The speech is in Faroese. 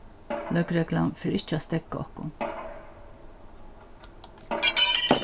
løgreglan fer ikki at steðga okkum